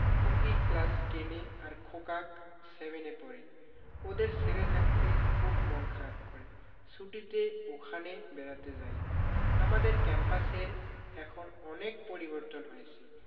খুকি class ten এ আর খোকা সেভেন এ পড়ে ওদের ছেড়ে থাকতে খুব মন খারাপ করে ছুটিতে ওখানে বেড়াতে যাই আমাদের ক্যাম্পাসের এখন অনেক পরিবর্তন হয়েছে